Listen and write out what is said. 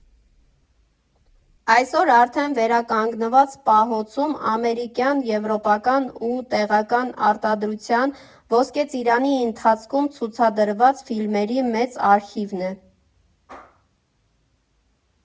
Այսօր արդեն վերականգնված պահոցում ամերիկյան, եվրոպական ու տեղական արտադրության, Ոսկե Ծիրանի ընթացքում ցուցադրված ֆիլմերի մեծ արխիվն է։